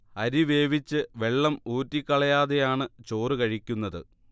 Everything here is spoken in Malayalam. അരി വേവിച്ച് വെള്ളം ഊറ്റിക്കളയാതെയാണ് ചോറ് കഴിക്കുന്നത്